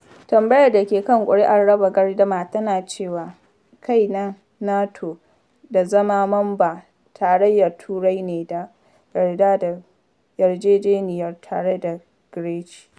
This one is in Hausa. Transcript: Tambayar da ke kan kuri’ar raba gardamar tana cewa: “Kai na NATO da zama mamban Tarayyar Turai ne da yarda da yarjejeniyar tare da Greece.”